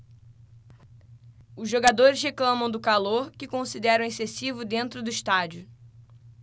os jogadores reclamam do calor que consideram excessivo dentro do estádio